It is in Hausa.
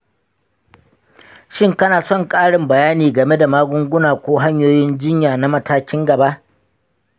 shin kana son ƙarin bayani game da magunguna ko hanyoyin jinya na matakin gaba?